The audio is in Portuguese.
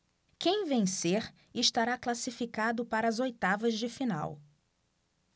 quem vencer estará classificado para as oitavas de final